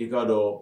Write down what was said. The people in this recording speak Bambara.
I ka dɔn